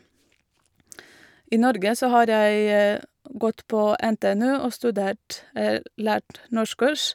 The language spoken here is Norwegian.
I Norge så har jeg gått på NTNU og studert lært norskkurs.